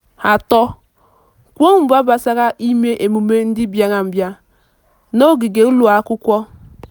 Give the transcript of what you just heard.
3. Kwuo mba gbasara ime emume ndị mbịarambịa n'ogige ụlọ akwụkwọ.